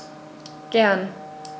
Gern.